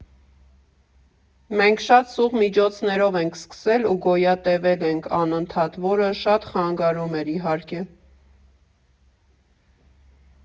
Մենք շատ սուղ միջոցներով ենք սկսել ու գոյատևել ենք անընդհատ, որը շատ խանգարում էր, իհարկե։